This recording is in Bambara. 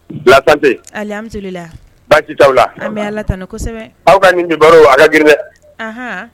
Bila tante muso la bajita aw la an bɛ ala tan ni kosɛbɛ aw ka nin di baro aw ka giri dɛ